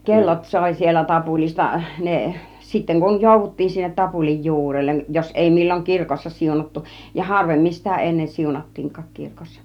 kellot soi siellä tapulista ne sitten kun jouduttiin sinne tapulin juurelle jos ei milloin kirkossa siunattu ja harvemmin sitä ennen siunattiinkaan kirkossa